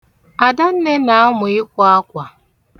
Adanne na-amụ ikwa akwa.